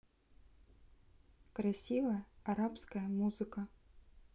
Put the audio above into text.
красивая арабская музыка